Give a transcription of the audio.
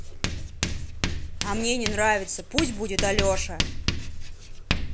а мне не нравится пусть будет алеша